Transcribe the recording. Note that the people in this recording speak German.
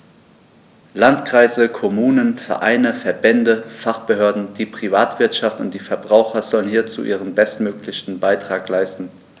Landkreise, Kommunen, Vereine, Verbände, Fachbehörden, die Privatwirtschaft und die Verbraucher sollen hierzu ihren bestmöglichen Beitrag leisten.